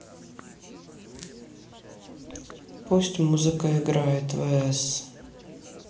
пусть музыка играет vs